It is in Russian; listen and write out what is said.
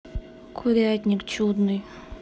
курятник чудный